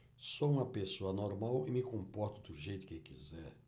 sou homossexual e me comporto do jeito que quiser